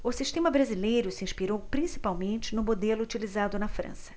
o sistema brasileiro se inspirou principalmente no modelo utilizado na frança